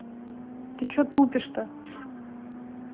ты че тупишь то